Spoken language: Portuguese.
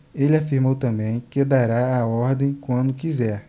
ele afirmou também que dará a ordem quando quiser